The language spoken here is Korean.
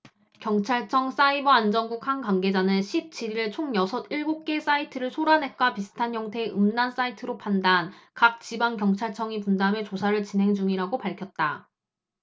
경찰청 사이버안전국 한 관계자는 십 칠 일 총 여섯 일곱 개 사이트를 소라넷과 비슷한 형태의 음란 사이트로 판단 각 지방경찰청이 분담해 조사를 진행중이라고 밝혔다